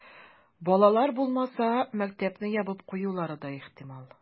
Балалар булмаса, мәктәпне ябып куюлары да ихтимал.